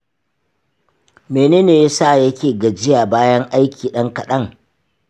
mene yasa yake gajiya bayan aiki ɗan kaɗan